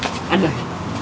anh ơi